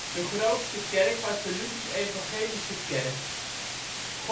De grootste kerk was de Luthers-Evangelische Kerk. Godsdienstvrijheid